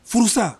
Furusa.